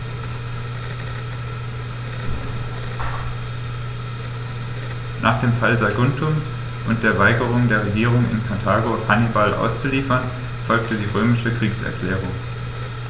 Nach dem Fall Saguntums und der Weigerung der Regierung in Karthago, Hannibal auszuliefern, folgte die römische Kriegserklärung.